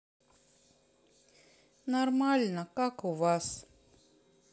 нормально как у вас